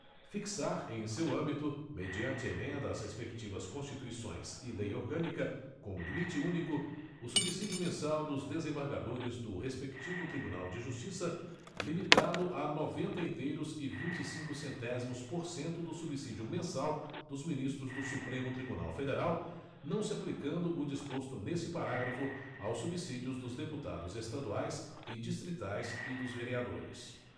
fixar em seu âmbito mediante emenda às respectivas constituições e lei orgânica como limite único o subsídio mensal dos desembargadores do respectivo tribunal de justiça limitado a noventa inteiros e vinte e cinco centésimos por cento do subsídio mensal dos ministros do supremo tribunal federal não se aplicando o disposto neste parágrafo aos subsídios dos deputados estaduais e distritais e dos vereadores